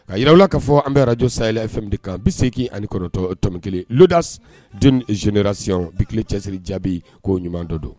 Ka yiw la k'a fɔ an bɛ araj sayla kan bɛ seegin ani kɔrɔtɔ tɔm kelen das zerasi bile cɛsiri jaabi k'o ɲuman dɔ don